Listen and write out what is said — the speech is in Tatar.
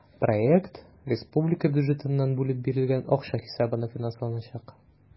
Проект республика бюджетыннан бүлеп бирелгән акча хисабына финансланачак.